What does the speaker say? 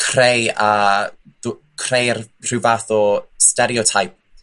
creu a dw- creu'r rhyw fath o stereotype